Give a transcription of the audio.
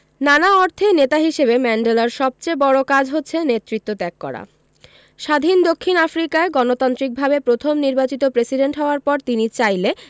নানা অর্থেই নেতা হিসেবে ম্যান্ডেলার সবচেয়ে বড় কাজ হচ্ছে নেতৃত্ব ত্যাগ করা স্বাধীন দক্ষিণ আফ্রিকায় গণতান্ত্রিকভাবে প্রথম নির্বাচিত প্রেসিডেন্ট হওয়ার পর তিনি চাইলে